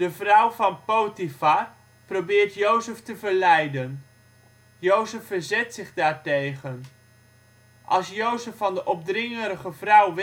vrouw van Potifar probeert Jozef te verleiden. Jozef verzet zich daartegen. Als Jozef van de opdringerige vrouw